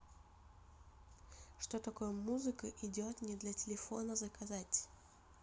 что такое музыка идет не для телефона заказать